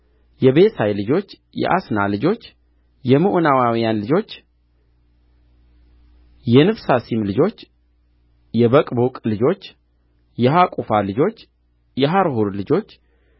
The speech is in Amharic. የቤሳይ ልጆች የአስና ልጆች የምዑናውያን ልጆች የንፉሰሲም ልጆች የበቅቡቅ ልጆች የሐቁፋ ልጆች የሐርሑር ልጆች